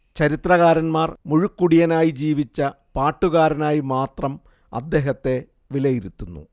ചരിത്രകാരന്മാർ മുഴുക്കുടിയനായി ജീവിച്ച പാട്ടുകാരനായി മാത്രം അദ്ദേഹത്തെ വിലയിരുത്തുന്നു